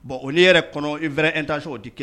Bon o yɛrɛ kɔnɔ i yɛrɛ in ta sɔn o de kɛ